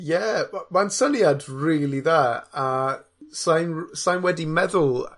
Ie, ma' ma'n syniad rili dda a sai'n r- sai'n wedi meddwl